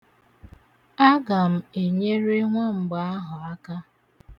Aga m enyere nwamgbe ahụ aka.